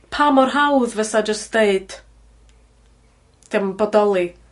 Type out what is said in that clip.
Pa mor hawdd fysa jys' deud diom bodoli?